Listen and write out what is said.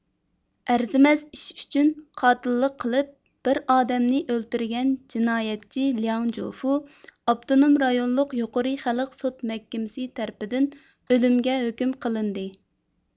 ئەرزىمەس ئىش ئۈچۈن قاتىللىق قىلىپ بىر ئادەمنى ئۆلتۈرگەن جىنايەتچى لياڭ جۆفۇ ئاپتونوم رايونلۇق يۇقىرى خەلق سوت مەھكىمىسى تەرىپىدىن ئۆلۈمگە ھۆكۈم قىلىندى